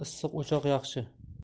issiq o'choq yaxshi